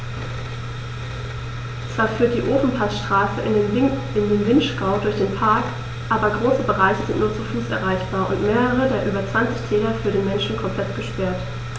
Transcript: Zwar führt die Ofenpassstraße in den Vinschgau durch den Park, aber große Bereiche sind nur zu Fuß erreichbar und mehrere der über 20 Täler für den Menschen komplett gesperrt.